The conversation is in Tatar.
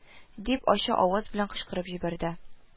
– дип, ачы аваз белән кычкырып җибәрде